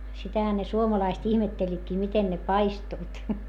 sitähän ne suomalaiset ihmettelivätkin miten ne paistuivat